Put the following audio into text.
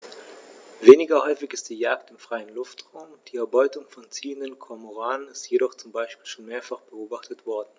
Weniger häufig ist die Jagd im freien Luftraum; die Erbeutung von ziehenden Kormoranen ist jedoch zum Beispiel schon mehrfach beobachtet worden.